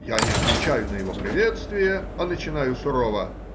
Я не отвечаю на его приветствие, а начинаю сурово